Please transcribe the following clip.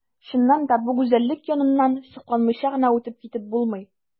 Чыннан да бу гүзәллек яныннан сокланмыйча гына үтеп китеп булмый.